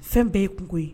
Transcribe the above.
Fɛn bɛɛ ye kunko ye